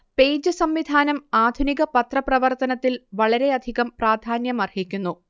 page സംവിധാനം ആധുനിക പത്രപ്രവർത്തനത്തിൽവളരെയധികം പ്രാധാന്യം അർഹിക്കുന്നു